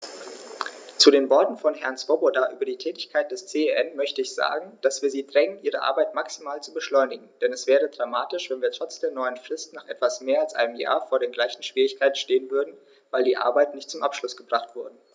Zu den Worten von Herrn Swoboda über die Tätigkeit des CEN möchte ich sagen, dass wir sie drängen, ihre Arbeit maximal zu beschleunigen, denn es wäre dramatisch, wenn wir trotz der neuen Frist nach etwas mehr als einem Jahr vor den gleichen Schwierigkeiten stehen würden, weil die Arbeiten nicht zum Abschluss gebracht wurden.